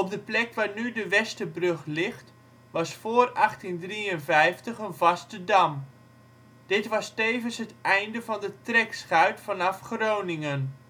de plek waar nu de Westerbrug ligt was voor 1853 een vaste dam. Dit was tevens het einde van de trekschuit vanaf Groningen